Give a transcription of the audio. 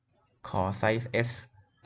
ขอไซส์เอส